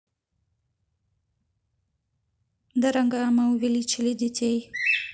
дорогая мы увеличили детей